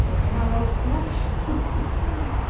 Oeddech chi 'na am yr wythnos ?